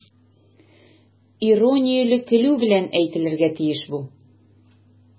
Иронияле көлү белән әйтелергә тиеш бу.